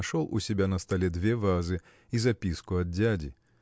нашел у себя на столе две вазы и записку от дяди.